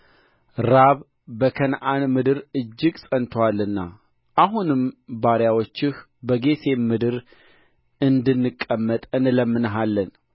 ራብ በከነዓን ምድር እጅግ ጸንቶአልና አሁንም ባሪያዎችህ በጌሤም ምድር እንድንቀመጥ እንለምንሃለን